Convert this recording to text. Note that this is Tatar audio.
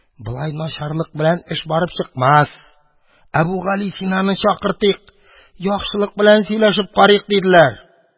Болай начарлык белән эш барып чыкмас, Әбүгалисинаны чакыртыйк, яхшылык белән сөйләшеп карыйк, – диделәр.